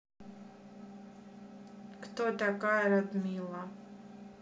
кто такая радмила